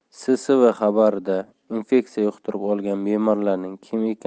ssv xabarida infeksiya yuqtirib olgan bemorlarning kim